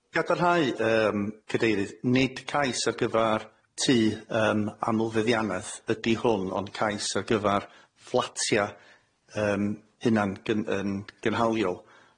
Gadarnhau yym cadeirydd nid cais ar gyfar tŷ yym amlfyddianeth ydi hwn ond cais ar gyfar flatia yym hunan gyn- yn gynhaliol.